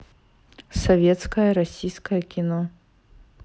советское российское кино